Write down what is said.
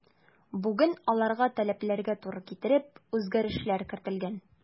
Бүген аларга таләпләргә туры китереп үзгәрешләр кертелгән.